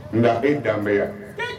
Nka e dan bɛ bɛ yan, sikeyi